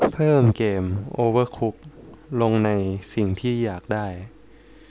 เพิ่มเกมโอเวอร์ลงในสิ่งที่อยากได้